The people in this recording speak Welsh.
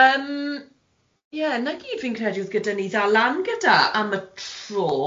Yym ie na gyd fi'n credu oedd gyda ni dda lan gyda am y tro.